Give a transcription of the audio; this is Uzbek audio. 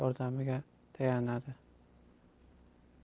rahbari ko'ngillilarning yordamiga tayanadi